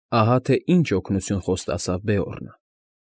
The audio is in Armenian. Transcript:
Ահա թե ինչ օգնություն խոստացավ Բեորնը։